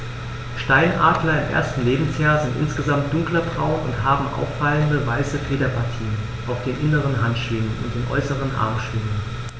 Steinadler im ersten Lebensjahr sind insgesamt dunkler braun und haben auffallende, weiße Federpartien auf den inneren Handschwingen und den äußeren Armschwingen.